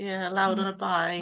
Ie, lawr yn y bae.